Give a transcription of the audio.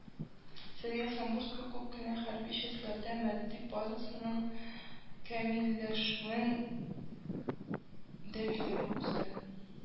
Сәрия Сабурская күп кенә хәрби частьләрдә матди базаның камилләшүен дә билгеләп узды